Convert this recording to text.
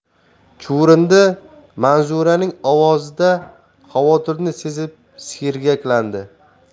chuvrindi manzuraning ovozida xavotirni sezib sergaklandi